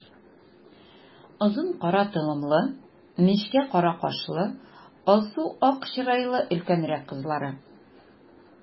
Озын кара толымлы, нечкә кара кашлы, алсу-ак чырайлы өлкәнрәк кызлары.